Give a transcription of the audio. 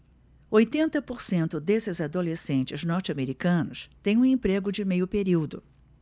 oitenta por cento desses adolescentes norte-americanos têm um emprego de meio período